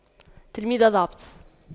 تلميذ ضابط